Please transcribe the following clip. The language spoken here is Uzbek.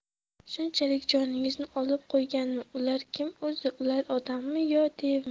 shunchalik joningizni olib qo'yganmi ular kim o'zi ular odammi yo devmi